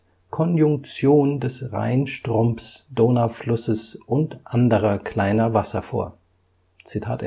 Conjunction des Rheinstrombs Donawflusses und anderer kleiner Wasser … “vor. Dieser